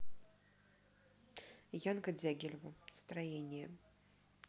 янка дягилева строение